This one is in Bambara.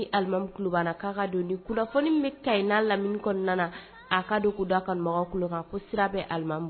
Limamiba' ka don ni kunnafoni bɛ ka n'a lamini kɔnɔna a ka da kanukan ko sira bɛ alima